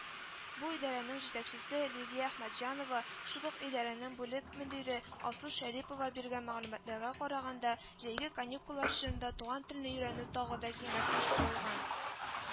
Бу идарәнең җитәкчесе Лилия Әхмәтҗанова, шул ук идарәнең бүлек мөдире Алсу Шәрипова биргән мәгълүматларга караганда, җәйге каникуллар чорында туган телне өйрәнү тагы да киңрәк оештырылган